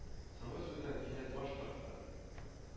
Соңгы сүздән кинәт баш тартты.